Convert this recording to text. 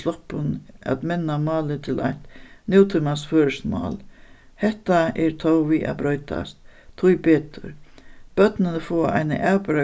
sloppin at menna málið til eitt nútímans føroyskt mál hetta er tó við at broytast tíbetur børnini fáa eina avbera